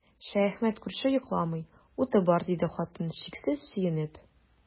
Шәяхмәт күрше йокламый, уты бар, диде хатын, чиксез сөенеп.